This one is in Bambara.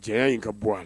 Cɛ in ka bɔ